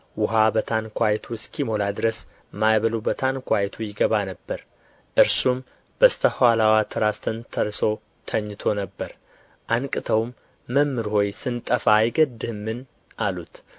ውኃ በታንኳይቱ እስኪሞላ ድረስ ማዕበሉ በታንኳይቱ ይገባ ነበር እርሱም በስተኋላዋ ትራስ ተንተርሶ ተኝቶ ነበር አንቅተውም መምህር ሆይ ስንጠፋ አይገድህምን አሉት